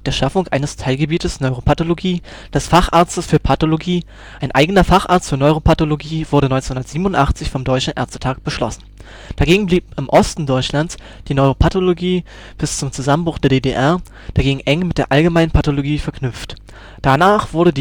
Schaffung eines Teilgebietes Neuropathologie des Facharztes für Pathologie, ein eigener Facharzt für Neuropathologie wurde 1987 vom Deutschen Ärztetag beschlossen. Dagegen blieb im Osten Deutschlands die Neuropathologie bis zum Zusammenbruch der DDR dagegen eng mit der allgemeinen Pathologie verknüpft. Danach wurde